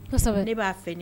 Ne b'a fɛ